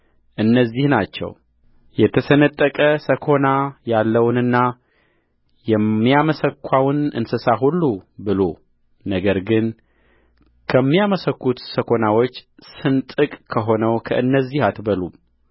እነዚህ ናቸውየተሰነጠቀ ሰኮና ያለውንና የሚያመሰኳውን እንስሳ ሁሉ ብሉነገር ግን ከሚያመሰኩት ሰኮናቸው ስንጥቅ ከሆነው ከእነዚህ አትበሉም